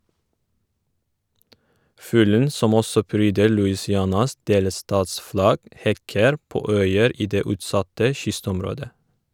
Fuglen, som også pryder Louisianas delstatsflagg, hekker på øyer i det utsatte kystområdet.